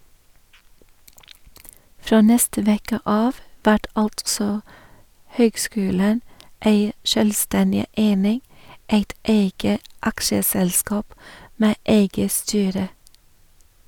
Frå neste veke av vert altså høgskulen ei sjølvstendig eining, eit eige aksjeselskap med eige styre.